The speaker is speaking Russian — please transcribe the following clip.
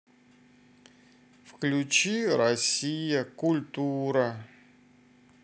включи россия культура